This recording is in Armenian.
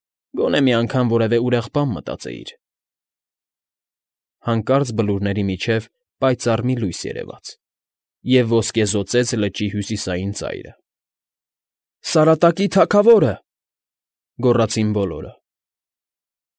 Գոնե մի անգամ որևէ ուրախ բան մտածեիր… Հանկարծ բլուրների միջև պայծառ մի լույս երևաց և ոսկեզօծեց լճի հյուսիսային ծայրը։ ֊ Սարատակի թագավո՜րը…֊ գոռացին բոլորը։֊